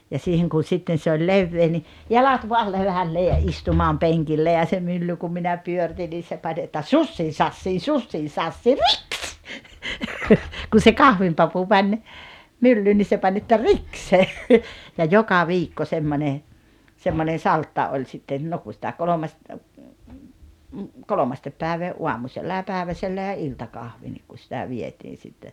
ja siihen kun sitten se oli leveä niin jalat vain levälleen ja istumaan penkille ja se mylly kun minä pyöritin niin se pani että sussii sassii sussii sassii riks kun se kahvinpapu meni myllyyn niin se pani että riks se ja joka viikko semmoinen semmoinen saltta oli sitten no kun sitä - kolmesti päivää aamusella ja päiväsellä ja iltakahvi niin kun sitä vietiin sitten